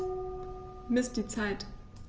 Miss die Zeit.